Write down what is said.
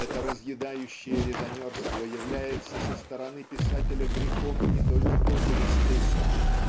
это разъедающее резонерство является со стороны писателя грехом не только против эстетики